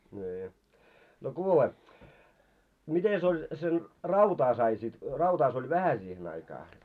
niin no kuule mitenkäs oli sen rautaa sai sitten rautaa se oli vähän siihen aikaa